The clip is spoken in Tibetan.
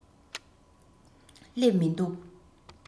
སླེབས མི འདུག